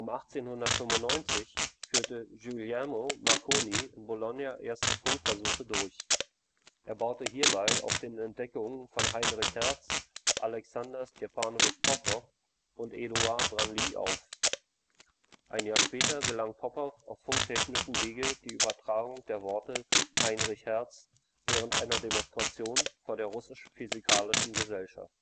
1895 führte Guglielmo Marconi in Bologna erste Funkversuche durch. Er baute hierbei auf den Entdeckungen von Heinrich Hertz, Alexander Stepanowitsch Popow und Édouard Branly auf. Ein Jahr später gelang Popow auf funktechnischem Wege die Übertragung der Worte „ Heinrich Hertz “während einer Demonstration vor der Russischen Physikalischen Gesellschaft